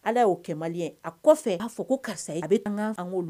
Ala y'o kɛ ye a kɔfɛ a fɔ ko karisa a bɛ